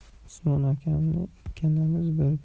usmon akam ikkalamiz